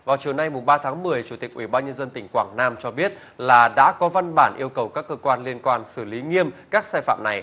vào chiều nay mùng ba tháng mười chủ tịch ủy ban nhân dân tỉnh quảng nam cho biết là đã có văn bản yêu cầu các cơ quan liên quan xử lý nghiêm các sai phạm này